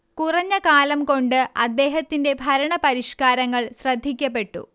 കുറഞ്ഞ കാലം കൊണ്ട് അദ്ദേഹത്തിന്റെ ഭരണ പരിഷ്കാരങ്ങൾ ശ്രദ്ധിക്കപ്പെട്ടു